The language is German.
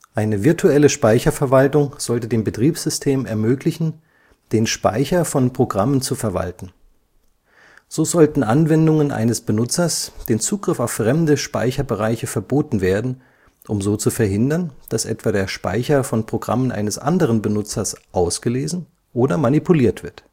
Eine virtuelle Speicherverwaltung sollte dem Betriebssystem ermöglichen, den Speicher von Programmen zu verwalten. So sollten Anwendungen eines Benutzers den Zugriff auf fremde Speicherbereiche verboten werden, um so zu verhindern, dass etwa der Speicher von Programmen eines anderen Benutzers ausgelesen oder manipuliert wird